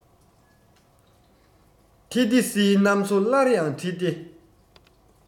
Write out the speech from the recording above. ཐེ རྡི སིའི གནའ མཚོ སླར ཡང བྲི སྟེ